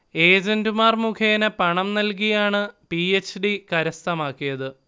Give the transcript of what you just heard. ഏജൻറുമാർ മുഖേന പണം നൽകിയാണ് പി. എച്ച്. ഡി. കരസ്ഥമാക്കിയത്